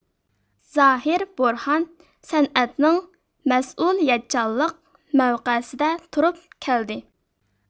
زاھىر بۇرھان سەنئەتنىڭ مەسئۇلىيەتچانلىق مەۋقەسىدە تۇرۇپ كەلدى